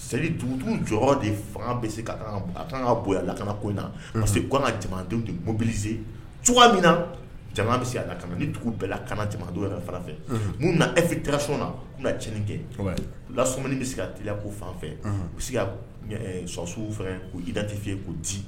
Seli dugu jɔ de fan bɛ se ka a ka kan ka bo lak ko in na ka se u' kan kadenwbilise cogoya min na bɛ se a la ka ni dugu bɛɛ kaana dɔw yɛrɛ fan fɛ n'u na efi tɛgɛso na u tiini kɛ u la sɔmaniin bɛ se ka tla ko fan fɛ u se ka sɔsiw fɛ' i dati yen ko di